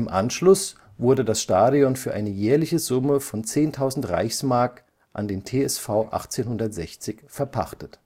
Anschluss wurde das Stadion für eine jährliche Summe von 10.000 Reichsmark an den TSV 1860 verpachtet